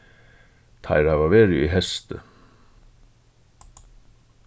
teir hava verið í hesti